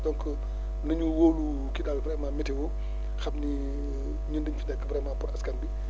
donc na ñu wóolu kii daal vraiment météo xam ni ñun dañu fi nekk vraiment pour askan bi